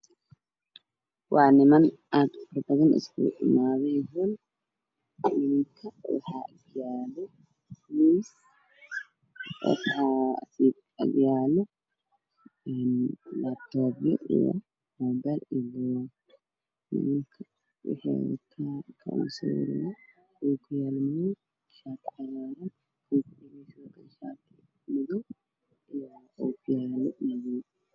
Meeshan waxa ka muuqda niman laabtobyo wato oo shir ku jira